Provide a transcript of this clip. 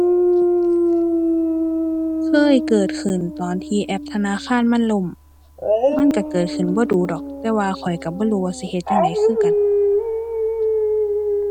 เคยเกิดขึ้นตอนที่แอปธนาคารมันล่ม มันก็เกิดขึ้นบ่ดู๋ดอก แต่ว่าข้อยก็บ่รู้ว่าสิเฮ็ดจั่งใดคือกัน